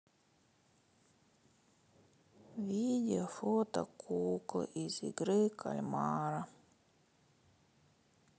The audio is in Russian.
видео фото куклы из игры кальмара